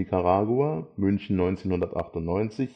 Salman Rushdie